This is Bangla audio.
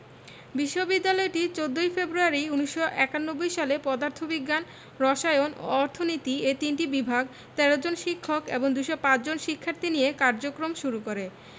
বিশ্ববিদ্যালয়টি ১৪ ফেব্রুয়ারি ১৯৯১ সালে পদার্থ বিজ্ঞান রসায়ন এবং অর্থনীতি এ তিনটি বিভাগ ১৩ জন শিক্ষক এবং ২০৫ জন শিক্ষার্থী নিয়ে শিক্ষাক্রম শুরু করে